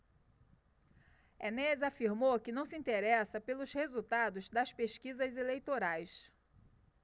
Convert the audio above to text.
enéas afirmou que não se interessa pelos resultados das pesquisas eleitorais